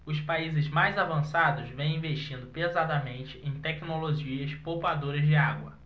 os países mais avançados vêm investindo pesadamente em tecnologias poupadoras de água